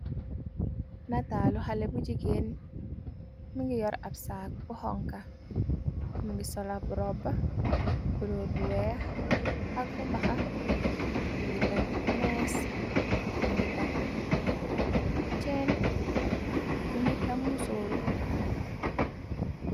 Nataalu xale bu jigéen mi ngi yor ab saak bu honka. Mu ngi solab robb golóor bu weex ak bu baxa. Mu ngi takk mees mu ngi takk cenn. Mu ngi tem mu sooru.